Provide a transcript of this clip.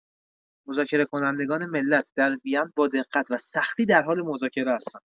مذاکره‌کنندگان ملت در وین با دقت و سختی در حال مذاکره هستند،